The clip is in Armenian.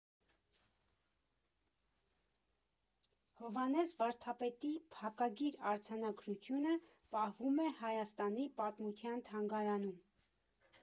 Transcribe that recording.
Հովհաննես վարդապետի փակագիր արձանագրությունը պահվում է Հայաստանի պատմության թանգարանում։